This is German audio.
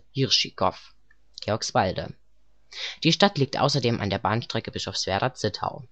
Jiříkov (Georgswalde) Die Stadt liegt außerdem an der Bahnstrecke Bischofswerda-Zittau